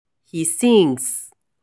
He sings: